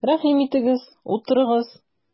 Рәхим итегез, утырыгыз!